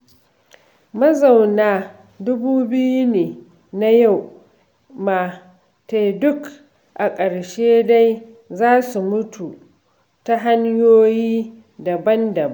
Mazauna 20,000 na Yau Ma Tei duk a ƙarshe dai za su mutu ta hanyoyi daban-daban.